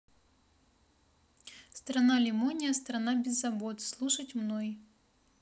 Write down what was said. страна лимония страна без забот слушать мной